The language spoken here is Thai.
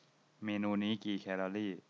เมนูนี้กี่แคลอรี่